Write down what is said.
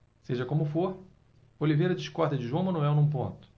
seja como for oliveira discorda de joão manuel num ponto